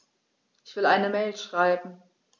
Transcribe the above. Ich will eine Mail schreiben.